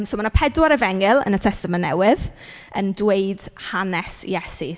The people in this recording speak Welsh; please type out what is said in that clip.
So mae 'na pedwar Efengyl yn y Testament Newydd yn dweud hanes Iesu.